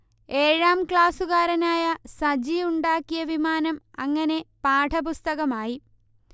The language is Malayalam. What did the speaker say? ഏഴാം ക്ലാസ്സുകാരനായ സജി ഉണ്ടാക്കിയ വിമാനം അങ്ങനെ പാഠപുസ്തകമായി